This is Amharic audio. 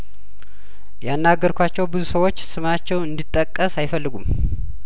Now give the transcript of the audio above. ያናገርኳቸው ብዙ ሰዎች ስማቸው እንዲጠቀስ አይፈልጉም